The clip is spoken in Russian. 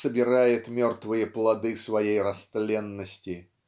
собирает мертвые плоды своей растленности.